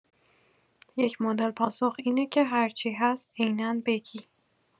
یک مدل پاسخ اینه که هر چی هست عینا بگی